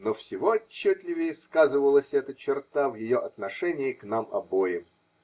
Но всего отчетливее сказывалась эта черта в ее отношении к нам обоим.